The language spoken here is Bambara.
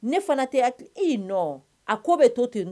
Ne fana tɛ hakili, e' nɔ a ko bɛ to ten